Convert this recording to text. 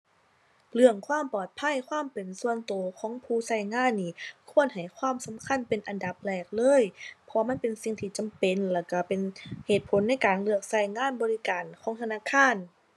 เรื่องความปลอดภัย ความเป็นส่วนตัว ของผู้ตัวงานนี่ ควรให้ความสำคัญเป็นอันดับแรกเลย เพราะว่ามันเป็นสิ่งที่จำเป็น แล้วตัวเป็นเหตุผลในการเลือกตัวงานบริการของธนาคาร